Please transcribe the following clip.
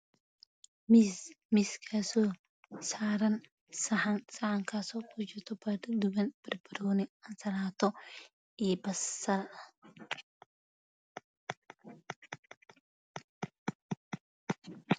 Miss miiskani midab ahaan dahabi kuraaatana